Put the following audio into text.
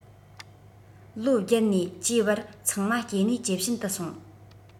ལོ བརྒྱད ནས བཅུའི བར ཚང མ སྐྱེ ནུས ཇེ ཞན དུ སོང